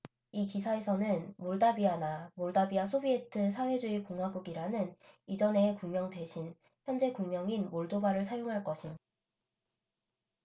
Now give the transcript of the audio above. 이 기사에서는 몰다비아나 몰다비아 소비에트 사회주의 공화국이라는 이전의 국명 대신 현재 국명인 몰도바를 사용할 것임